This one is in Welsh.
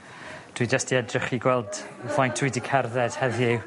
dwi jyst 'di edrych i gweld faint dwi 'di cerdded heddiw.